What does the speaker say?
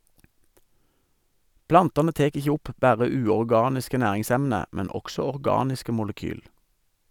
Plantane tek ikkje opp berre uorganiske næringsemne, men også organiske molekyl.